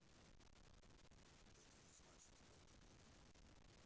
это не значит это